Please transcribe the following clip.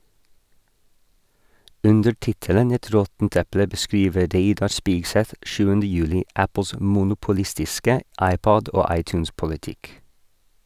Under tittelen «Et råttent eple» beskriver Reidar Spigseth 7. juli Apples monopolistiske iPod- og iTunes-politikk.